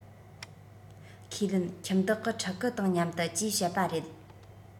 ཁས ལེན ཁྱིམ བདག གི ཕྲུ གུ དང མཉམ དུ ཅེས བཤད པ རེད